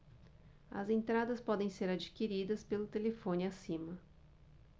as entradas podem ser adquiridas pelo telefone acima